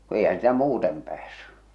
kun eihän sitä muuten päässyt